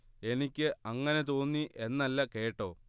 എനിക്ക് അങ്ങനെ തോന്നി എന്നല്ല കേട്ടോ